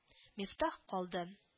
Мифтах калды